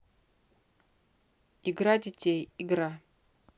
игра детей игра